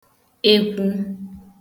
ekwu